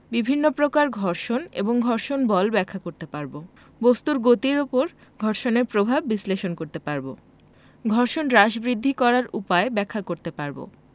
বিভিন্ন প্রকার ঘর্ষণ এবং ঘর্ষণ বল ব্যাখ্যা করতে পারব বস্তুর গতির উপর ঘর্ষণের প্রভাব বিশ্লেষণ করতে পারব ঘর্ষণ হ্রাস বৃদ্ধি করার উপায় ব্যাখ্যা করতে পারব